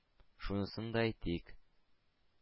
Шунысын да әйтик: